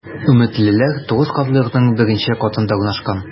“өметлеләр” 9 катлы йортның беренче катында урнашкан.